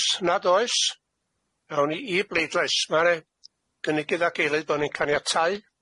Os nad oes rown i i bleidlais ma' 'ne gynnigydd ag eilydd bo' ni'n caniatáu.